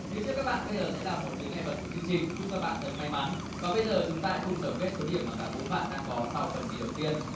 phía trước các bạn bây giờ sẽ là một chướng ngại vật của chương trình chúc các bạn thật may mắn và bây giờ chúng ta hãy cùng tổng kết số điểm mà cả bốn bạn đang có sau phần thi đầu tiên